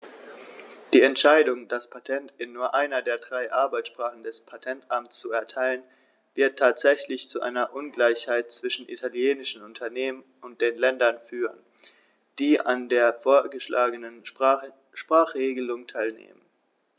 Die Entscheidung, das Patent in nur einer der drei Arbeitssprachen des Patentamts zu erteilen, wird tatsächlich zu einer Ungleichheit zwischen italienischen Unternehmen und den Ländern führen, die an der vorgeschlagenen Sprachregelung teilnehmen.